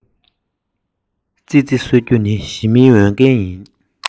ཙི ཙི གསོད རྒྱུ ནི ཞི མིའི འོས འགན ཡིན